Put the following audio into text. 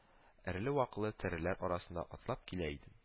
Эреле-ваклы тәреләр арасында атлап килә идем